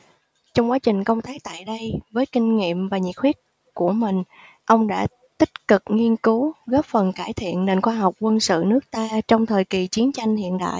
trong quá trình công tác tại đây với kinh nghiệm và nhiệt huyết của mình ông đã tích cực nghiên cứu góp phần cải thiện nền khoa học quân sự nước ta trong thời kỳ chiến tranh hiện đại